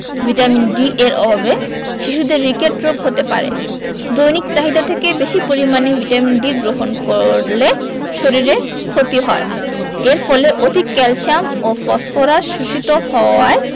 vitamin D এর অভাবে শিশুদের রিকেট রোগ হতে পারে দৈনিক চাহিদা থেকে বেশী পরিমাণে ভিটামিন D গ্রহণ করলে শরীরের ক্ষতি হয় এর ফলে অধিক ক্যালসিয়াম ও ফসফরাস শোষিত হওয়ায়